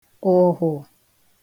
ụ̀hụ̀